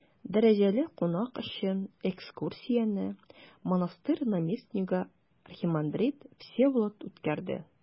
Дәрәҗәле кунак өчен экскурсияне монастырь наместнигы архимандрит Всеволод үткәрде.